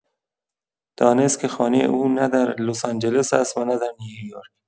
دانست که خانه او نه در لس‌آنجلس است و نه در نیویورک.